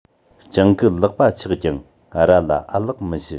སྤྱང ཀི ལག པ ཆག ཀྱང ར ལ ཨ ལགས མི ཞུ